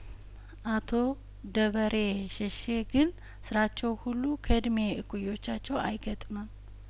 አቶ ደበሬ ሼሼ ግን ስራቸው ሁሉ ከእድሜ እኩዮቻቸው አይገጥምም